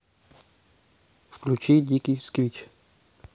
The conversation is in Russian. включи диких сквич